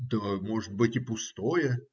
Да, может быть, и пустое,